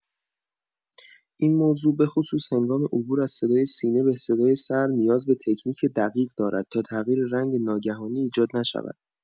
این موضوع به‌خصوص هنگام عبور از صدای سینه به صدای سر نیاز به تکنیک دقیق دارد تا تغییر رنگ ناگهانی ایجاد نشود.